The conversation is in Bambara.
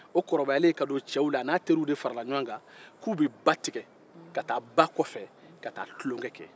o kɔrɔbayalen ka fara cɛw kan o fara tɔɲɔgɔnninw k'u be ba tige ka taa tulon ke ba kɔ fɛ